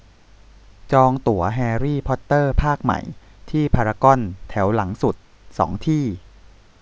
จองตั๋วแฮรี่พอตเตอร์ภาคใหม่ที่พารากอนแถวหลังสุดสองที่